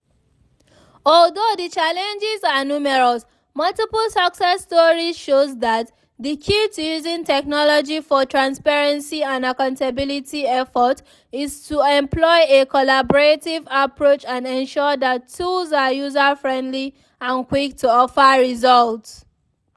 Although the challenges are numerous, multiple success stories show that the key to using technology for transparency and accountability efforts is to employ a collaborative approach and ensure that tools are user-friendly and quick to offer results.